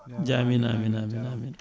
amine amine amine